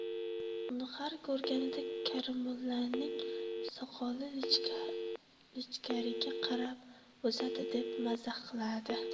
uni har ko'rganida karimullaning soqoli ichkariga qarab o'sadi deb mazax qiladi